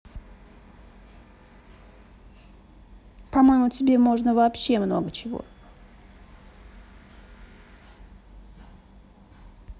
по моему тебе можно вообще много чего